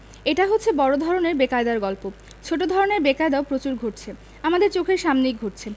এটা হচ্ছে বড় ধরনের বেকায়দার গল্প ছোট ধরনের বেকায়দাও প্রচুর ঘটছে আমাদের চোখের সামনেই ঘটছে